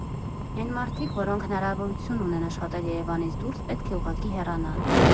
Էն մարդիկ, որոնք հնարավորություն ունեն աշխատել Երևանից դուրս, պետք է ուղղակի հեռանան։